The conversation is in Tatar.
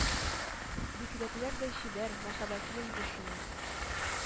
Бигрәкләр дә чибәр, мәхәббәтле иде шул ул!